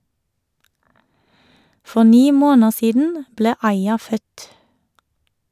For ni måneder siden ble Aia født.